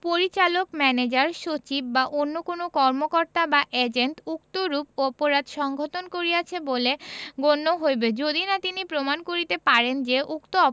পরিচালক ম্যানেজার সচিব বা অন্য কোন কর্মকর্তা বা এজেন্ট উক্তরূপ অপরাধ সংঘটন করিয়াছেন বলিয়া গণ্য হইবে যদি না তিনি প্রমাণ করিতে পারেন যে উক্ত